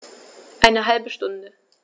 Eine halbe Stunde